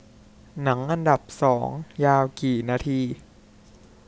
หนังอันดับสองยาวกี่นาที